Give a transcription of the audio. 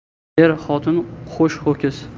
er xotin qo'sh ho'kiz